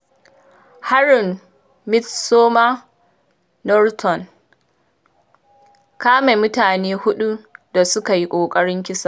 Harin Midsomer Norton: Kame mutane huɗu da suka yi ƙoƙarin kisa